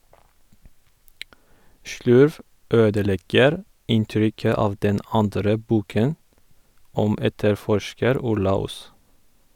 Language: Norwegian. Slurv ødelegger inntrykket av den andre boken om etterforsker Orla Os.